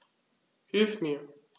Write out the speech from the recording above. Hilf mir!